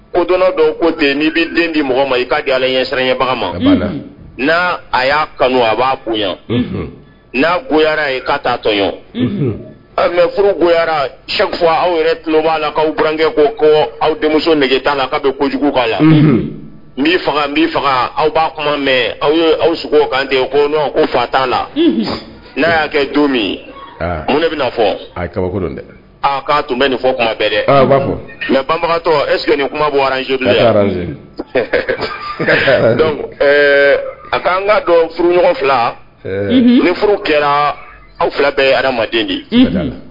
Ko dɔn dɔw ko ten n'i bɛ den di mɔgɔ ma i kaa di ala ɲɛɲɛbaga ma n'a a y'a kanu a b'a kun yan n'a go ye k'a taa tɔɔn mɛ furugo shɛfa aw yɛrɛ tulolo b'a la'aw garankɛ ko ko aw denmuso nɛgɛge t'a' bɛ ko kojugu ka la n n b aw b'a kuma mɛ aw ye aw sogo kan ko o fa t' la n'a y'a kɛ don min munna ne bɛ fɔ k'a tun bɛ nin fɔ kuma bɛɛ dɛ mɛ banbagatɔ e ni kuma bɔ nj a kaan ka dɔn furu ɲɔgɔn fila ni furu kɛra aw fila bɛɛ ye adamaden de ye